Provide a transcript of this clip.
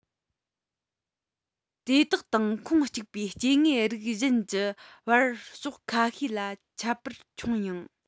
དེ དག དང ཁོངས གཅིག པའི སྐྱེ དངོས རིགས གཞན གྱི བར ཕྱོགས ཁ ཤས ལ ཁྱད པར ཆུང ཡང